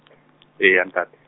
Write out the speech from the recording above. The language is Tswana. e ya ntate.